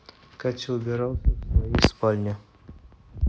катя убиралась в своей спальне